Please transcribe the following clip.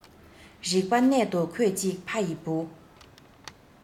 རིག པ གནད དུ ཁོད ཅིག ཕ ཡི བུ